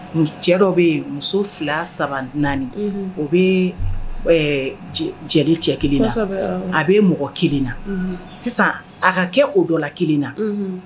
Cɛ dɔ bɛ muso fila saba naani o bɛ jeli cɛ kelen na a bɛ mɔgɔ kelen na sisan a ka kɛ o dɔ la kelen na